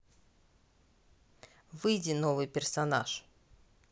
выйди новый персонаж